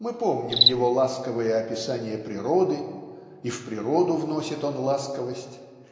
мы помним его ласковые описания природы (и в природу вносит он ласковость)